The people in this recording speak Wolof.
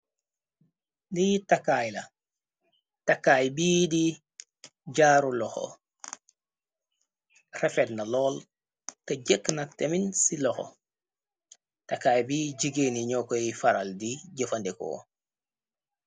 Li takaay la takaay bii di jaaru loxo refet na lool te jëkk na temin ci loxo takaay bi jigéeni ño koy faral di jëfandekoo.